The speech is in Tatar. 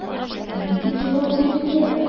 Ни дип җавап бирергә?